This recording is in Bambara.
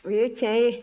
o ye tiɲɛ ye